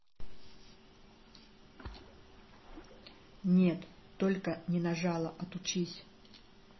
нет только не нажала отучись